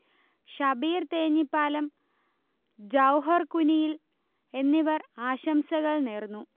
ഷബീർ തേഞ്ഞിപ്പലം, ജൌഹർ കുനിയിൽ എന്നിവർ ആശംസകൾ നേർന്നു